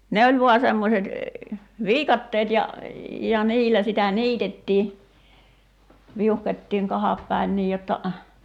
ne oli vain semmoiset viikatteet ja ja niillä sitä niitettiin viuhkottiin kahda päin niin jotta